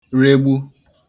regbū